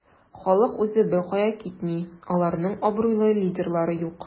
Халык үзе беркая китми, аларның абруйлы лидерлары юк.